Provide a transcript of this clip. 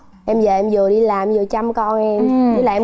em giờ em vừa đi làm vừa chăm coi như là em